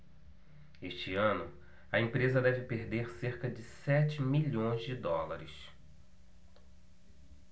este ano a empresa deve perder cerca de sete milhões de dólares